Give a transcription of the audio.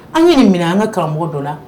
An ye nin minɛ an ka karamɔgɔ dɔ la